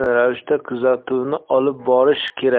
ravishda kuzatuvni olib borishi kerak